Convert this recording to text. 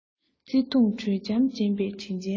བརྩེ དུང དྲོད འཇམ སྦྱིན པའི དྲིན ཅན མ